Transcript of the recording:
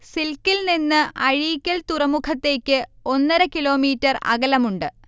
സിൽക്കിൽനിന്ന് അഴീക്കൽ തുറമുഖത്തേക്ക് ഒന്നര കിലോമീറ്റർ അകലമുണ്ട്